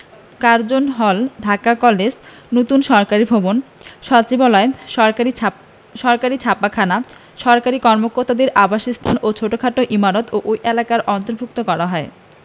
Curzon Hall Dhaka college নতুন সরকারি ভবন সচিবালয় সরকারি ছাপাখানা সরকারি কর্মকর্তাদের আবাসস্থল ও ছোটখাট ইমারত ওই এলাকার অন্তর্ভুক্ত করা হয়